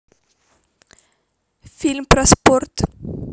фильмы про спорт